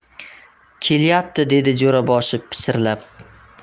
kelyapti dedi jo'raboshi pichirlab